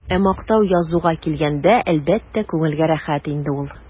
Ә мактап язуга килгәндә, әлбәттә, күңелгә рәхәт инде ул.